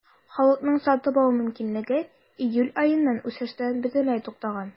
Халыкның сатып алу мөмкинлеге июль аеннан үсештән бөтенләй туктаган.